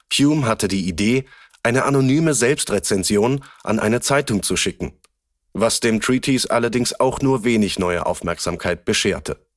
Hume hatte die Idee, eine anonyme Selbstrezension an eine Zeitung zu schicken, was dem Treatise allerdings auch nur wenig neue Aufmerksamkeit bescherte